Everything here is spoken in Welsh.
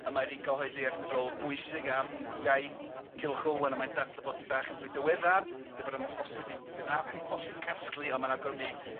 A mae 'di gyhoeddi erthygl bwysig am iaith Culhwch ag Olwen a mae'n dadle bod hi bach yn fwy diweddar deu' bod o'm ahosib i- a- amhosib casglu, on' ma'n awgrymu